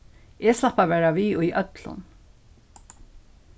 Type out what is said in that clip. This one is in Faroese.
eg slapp at vera við í øllum